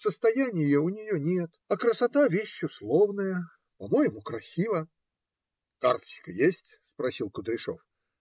Состояния у нее нет, а красота - вещь условная. По-моему, красива. - Карточка есть? - спросил Кудряшов.